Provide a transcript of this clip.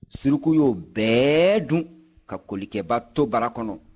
suruku y'o bɛɛ dun ka kolikɛba to bara kɔnɔ